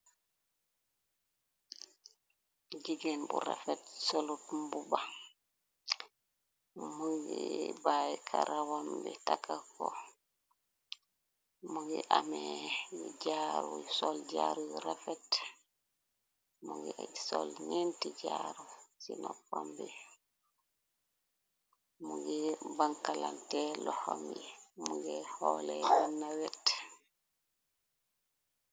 Jigeen bu rafet solutumbu ba mu ngi bayyu karawam bi taka ko mu ngi amee jaaru sol jaaruy rafet mu ngi aj sol ñenti jaaru ci nopam bi mu ngi bankalante loxa mi mu ngi xoolee yenna wet.